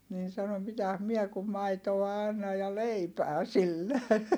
niin sanoi mitäs minä kun maitoa annan ja leipää sille